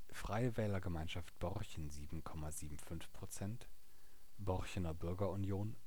Freie Wählergemeinschaft Borchen) BBU 5,55 % (Borchener Bürger Union